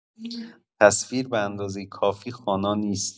تصویر به‌اندازه کافی خوانا نیست.